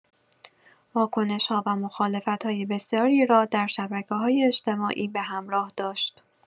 واکنش‌ها و مخالفت‌های بسیاری را در شبکه‌های اجتماعی به همراه داشت.